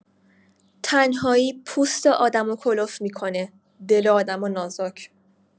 تنهایی پوست آدمو کلفت می‌کنه، دل آدمو نازک.